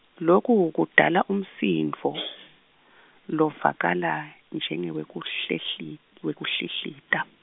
loku kudala umsindvo, lovakala, njengewekunhlihli- -wekunhlinhlita.